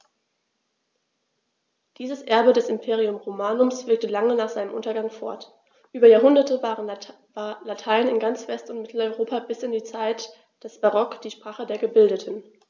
Dieses Erbe des Imperium Romanum wirkte lange nach seinem Untergang fort: Über Jahrhunderte war Latein in ganz West- und Mitteleuropa bis in die Zeit des Barock die Sprache der Gebildeten.